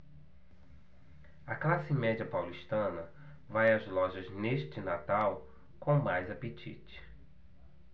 a classe média paulistana vai às lojas neste natal com mais apetite